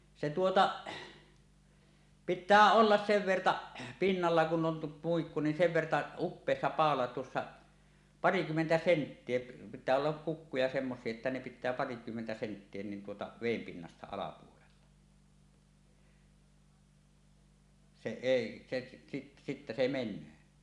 se tuota pitää olla sen verta pinnalla kun on muikku niin sen verta upoksissa paula tuossa parikymmentä senttiä pitää olla kukkuja semmoisia että ne pitää parikymmentä senttiä niin tuota veden pinnasta alapuolella se ei se sitten - sitten se menee